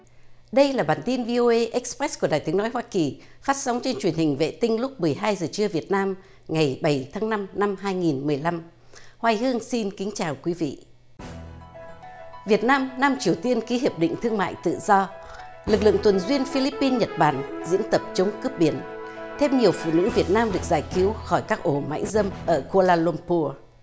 đây là bản tin vi ô ây ích pờ rét của đài tiếng nói hoa kỳ phát sóng trên truyền hình vệ tinh lúc mười hai giờ trưa việt nam ngày bảy tháng năm năm hai nghìn mười lăm hoài hương xin kính chào quý vị việt nam nam triều tiên ký hiệp định thương mại tự do lực lượng tuần duyên phi líp pin nhật bản diễn tập chống cướp biển thêm nhiều phụ nữ việt nam được giải cứu khỏi các ổ mại dâm ở kua la lăm pua